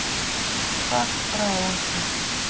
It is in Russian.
факты про осы